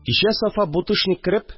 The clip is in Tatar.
Кичә Сафа бутышник кереп